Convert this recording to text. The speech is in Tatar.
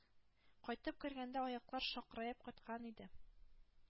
Кайтып кергәндә, аяклар шакыраеп каткан иде.